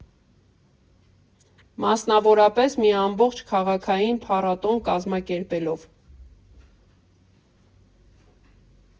Մասնավորապես՝ մի ամբողջ քաղաքային փառատոն կազմակերպելով։